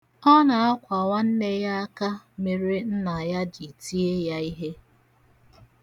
Ọ na-akwa nwanne ya aka mere nna ya ji tie ya ihe.